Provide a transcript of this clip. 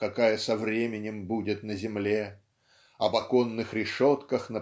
какая со временем будет на земле об оконных решетках